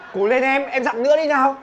cố lên em em dặn nữa đi nào